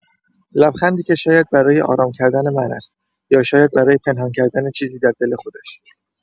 لبخندی که شاید برای آرام‌کردن من است، یا شاید برای پنهان کردن چیزی در دل خودش.